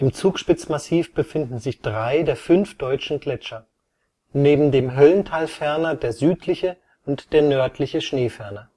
Zugspitzmassiv befinden sich drei der fünf deutschen Gletscher, neben dem Höllentalferner der Südliche und der Nördliche Schneeferner